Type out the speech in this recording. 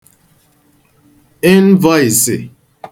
ịnvọịsị